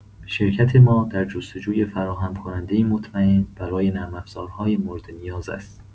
شرکت ما در جستجوی فراهم‌کننده‌ای مطمئن برای نرم‌افزارهای موردنیاز است.